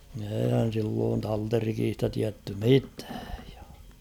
eihän silloin talterikista tiedetty mitään